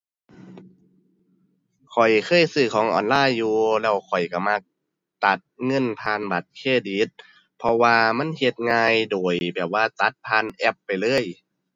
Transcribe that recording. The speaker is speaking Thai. ข้อยเคยซื้อของออนไลน์อยู่ แล้วข้อยก็มักตัดเงินผ่านบัตรเครดิต เพราะว่ามันเฮ็ดง่ายโดยแบบว่าตัดผ่านแอปไปเลย